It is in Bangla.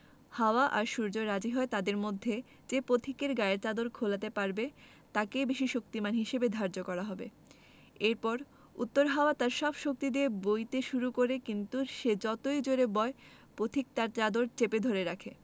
হাওয়া আর সূর্য রাজি হয় তাদের মধ্যে যে পথিকে গায়ের চাদর খোলাতে পারবেতাকেই বেশি শক্তিমান হিসেবে ধার্য করা হবে এরপর উত্তর হাওয়া তার সব শক্তি দিয়ে বইতে শুরু করে কিন্তু সে যতই জোড়ে বয় পথিক তার চাদর চেপে ধরে রাখে